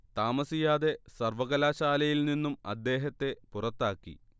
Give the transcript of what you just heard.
താമസിയാതെ സർവ്വകലാശാലയിൽ നിന്നും അദ്ദേഹത്തെ പുറത്താക്കി